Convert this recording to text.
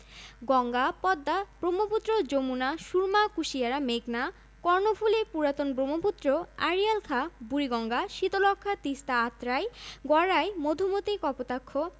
মহাস্থান থেকে প্রায় ৬ কিলোমিটার পশ্চিমে এবং নাগর নদী থেকে ৫০০ মিটার পশ্চিমে অবস্থিত ময়নামতি কুমিল্লা শহরের প্রায় ৮ কিলোমিটার পশ্চিমে অবস্থিত হলুদ বিহার